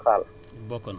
ak xaal